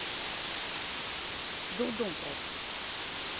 дурдом просто